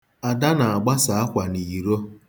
Ada na-agbasa akwa n'iro.